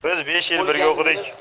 biz besh yil birga o'qidik